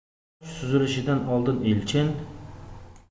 osh suzilishidan oldin elchin